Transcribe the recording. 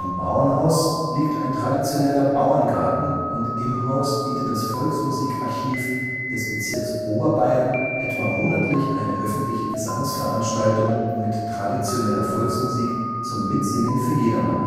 Bauernhaus liegt ein traditioneller Bauerngarten und im Haus bietet das Volksmusikarchiv des Bezirks Oberbayern etwa monatlich eine öffentliche Gesangsveranstaltung mit traditioneller Volksmusik zum Mitsingen für jedermann